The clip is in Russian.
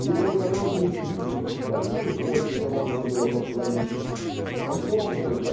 и благородный критик хвалил все, что можно было похвалить. Он помнил